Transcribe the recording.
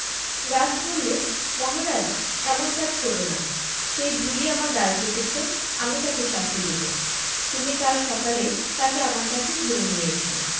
গাছ বললে মহারাজ এমন কাজ কর না সেই ঢুলি আমার ডাল কেটেছে আমি তাকে শাস্তি দেব তুমি কাল সকালে তাকে আমার কাছে ধরে নিয়ে এস